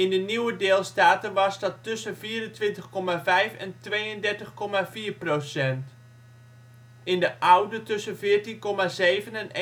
de nieuwe deelstaten was dat tussen 24,5 en 32,4 (Sachsen-Anhalt) procent, in de oude tussen 14,7 en 21,2